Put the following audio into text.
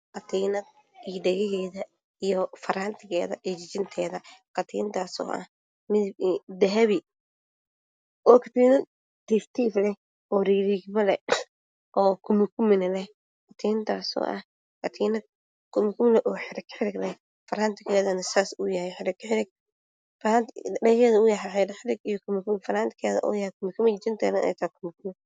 Katiinad iyo dhagaheeda iyo faraanteeda iyo jijinteeda katiintaasoo ah midadb dahabi oo tiitiifle oo riixriixmole